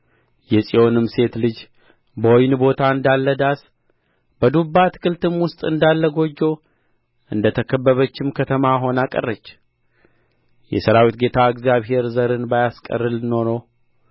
የጽዮንም ሴት ልጅ በወይን ቦታ እንዳለ ዳስ በዱባ አትክልትም እንዳለ ጎጆ እንደተከበበችም ከተማ ሆና ቀረች የሠራዊት ጌታ እግዚአብሔር ዘርን ባያስቀርልን ኖሮ